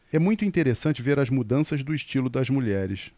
é muito interessante ver as mudanças do estilo das mulheres